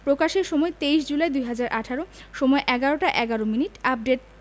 প্রকাশের সময়ঃ ২৩ জুলাই ২০১৮ সময়ঃ ১১টা ১১মিনিট আপডেট